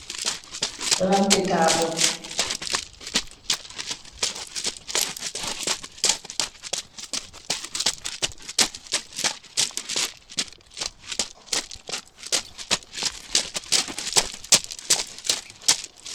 Lampi taabal